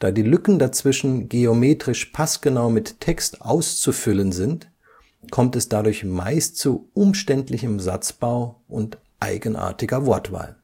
die Lücken dazwischen geometrisch passgenau mit Text auszufüllen sind, kommt es dadurch meist zu umständlichem Satzbau und eigenartiger Wortwahl